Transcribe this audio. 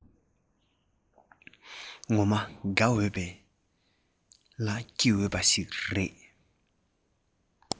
ངོ མ དགའ འོས ལ སྐྱིད འོས པ ཞིག རེད